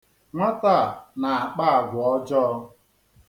Nwata a na-akpa agwa ọjọọ.